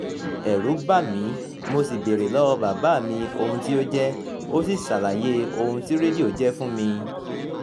Ẹ̀rú bá mi mo sì béèrè lọ́wọ́ọ bàbáà mi ohun tí ó jẹ́, ó sì ṣàlàyé ohun tí rédíò jẹ́ fún mi.